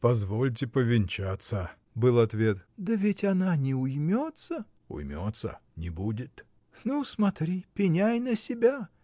— Позвольте повенчаться, — был ответ. — Да ведь она не уймется! — Уймется, не будет! — Ну, смотри, пеняй на себя!